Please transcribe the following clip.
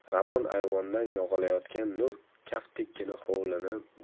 ravon ayvondan yog'ilayotgan nur kaftdekkina hovlini